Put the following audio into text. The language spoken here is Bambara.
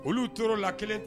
Olu tora la kelen